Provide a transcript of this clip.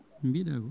mbiɗa ko